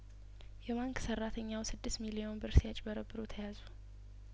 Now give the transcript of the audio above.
የባንክ ሰራተኛው ስድስት ሚሊዮን ብር ሲያጭበረብሩ ተያዙ